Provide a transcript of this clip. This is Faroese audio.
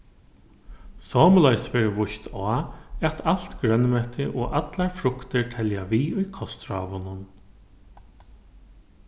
somuleiðis verður víst á at alt grønmeti og allar fruktir telja við í kostráðunum